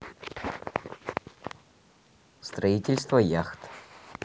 строительство яхт